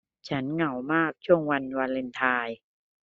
ฉันเหงามากช่วงวันวาเลนไทน์